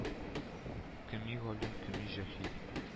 Кеми галим, кеми җаһил